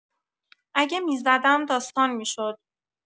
اگ می‌زدم داستان می‌شد